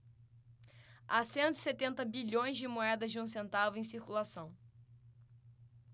há cento e setenta bilhões de moedas de um centavo em circulação